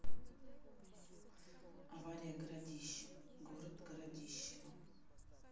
авария городище город городищева